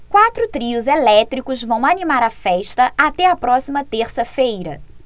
quatro trios elétricos vão animar a festa até a próxima terça-feira